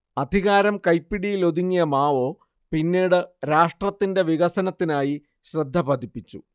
അധികാരം കൈപ്പിടിയിലൊതുങ്ങിയ മാവോ പിന്നീട് രാഷ്ട്രത്തിന്റെ വികസനത്തിനായി ശ്രദ്ധ പതിപ്പിച്ചു